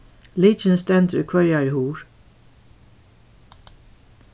lykilin stendur í hvørjari hurð